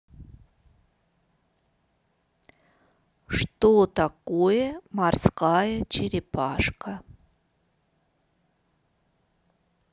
что такое морская черепашка